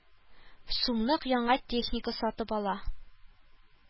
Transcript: Сумлык яңа техника сатып ала